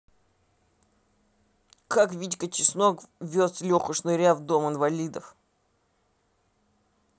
как витька чеснок вез леху шныря в дом инвалидов